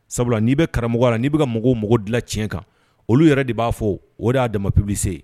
Sabula n'i bɛ karamɔgɔ la n'i bɛ ka mɔgɔw mɔgɔ dilan tiɲɛ kan olu yɛrɛ de b'a fɔ o de y'a dɛmɛmapipbilise ye